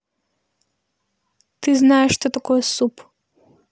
ты знаешь что такое суп